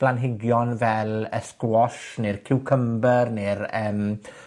blanhigion fel y squash ne'r ciwcymber ne'r yym